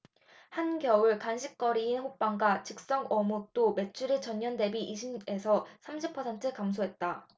한겨울 간식거리인 호빵과 즉석어묵도 매출이 전년대비 이십 에서 삼십 퍼센트 감소했다